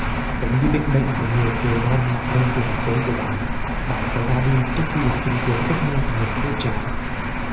giống như định mệnh của nhiều chồi non mọc lên từ các hạt giống của bà bà sẽ ra đi trước khi được chứng kiến giấc mơ của mình kết trái